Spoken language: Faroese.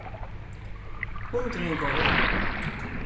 hundurin goyr